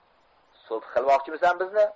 so'pi qilmoqchimisan bizni